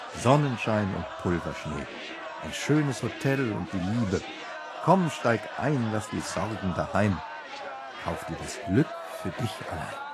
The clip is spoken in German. Sonnenschein und Pulverschnee, ein schönes Hotel und die Liebe – komm, steig’ ein, laß’ die Sorgen daheim, kauf’ dir das Glück für dich allein